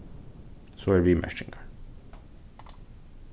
so eru viðmerkingar